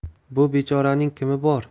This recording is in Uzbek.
bu bechoraning kimi bor